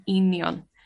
...union.